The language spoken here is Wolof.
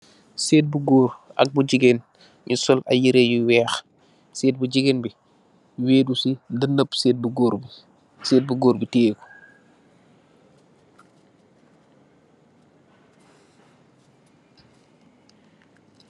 Sèèt bu gór ak bu gigeen ñu sol ay yirèh yu wèèx. Séét bu gigeen bi wèru ci danap séét bu gór bi, séét bu gór bi teyeh ko.